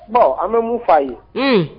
Bon an bɛ mun faa ye